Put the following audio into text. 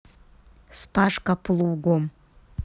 вспашка плугом